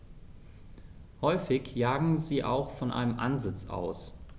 Häufig jagen sie auch von einem Ansitz aus.